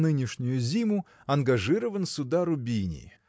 на нынешнюю зиму ангажирован сюда Рубини